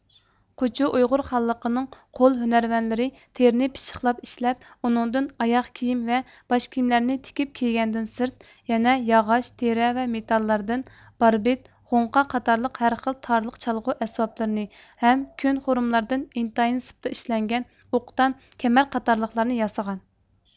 قوچۇ ئۇيغۇر خانلىقىنىڭ قول ھۈنەرۋەنلىرى تېرىنى پىششىقلاپ ئىشلەپ ئۇنىڭدىن ئاياغ كىيىم ۋە باش كىيىملەرنى تىكىپ كىيگەندىن سىرت يەنە ياغاچ تېرە ۋە مېتاللاردىن باربىت غوڭقا قاتارلىق ھەر خىل تارىلىق چالغۇ ئەسۋابلىرىنى ھەم كۆن خۇرۇملاردىن ئىنتايىن سىپتا ئىشلەنگەن ئوقدان كەمەر قاتارلىقلارنى ياسىغان